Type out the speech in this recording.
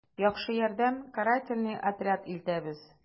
«яхшы ярдәм, карательный отряд илтәбез...»